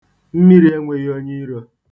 Mmiri enweghi iro.